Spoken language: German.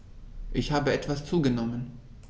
Ich habe etwas zugenommen